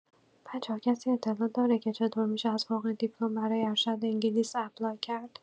بچه‌ها کسی اطلاع داره که چطور می‌شه از فوق‌دیپلم برای ارشد انگلیس اپلای کرد؟